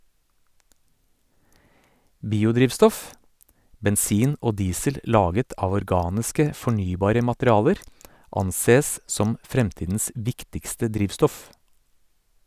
Biodrivstoff - bensin og diesel laget av organiske, fornybare materialer ansees som fremtidens viktigste drivstoff.